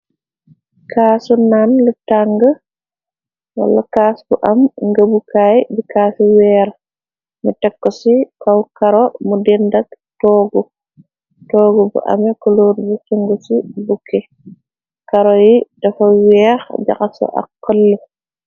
Kaasu naan li tàng wala. Kaas bu am ngëbukaay bi kaasu weer mi tekko ci kaw karo. Mu dendak toog bu ame kuluor bu singu. Ci bukke karo yi dafa weex jaxa so ak kolli.